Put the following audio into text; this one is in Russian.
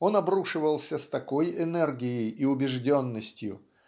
он обрушивался с такой энергией и убежденностью